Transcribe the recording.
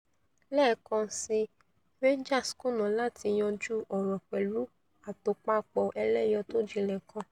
Lẹ́ẹ̀kan sii Rangers kùná láti yanjú ọ̀rọ̀ pẹ̀lú àtòpapọ̀-ẹlẹ́yọ tójinlẹ̀ kan.